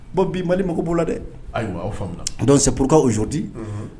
Bon bi mali mako bolo la dɛ ayiwa aw faamuya seuruzo di